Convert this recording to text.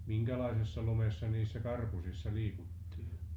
minkälaisessa lumessa niissä karpusissa liikuttiin